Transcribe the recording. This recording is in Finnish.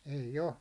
ei ole